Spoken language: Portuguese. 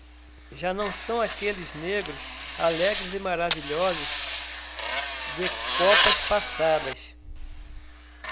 já não são aqueles negros alegres e maravilhosos de copas passadas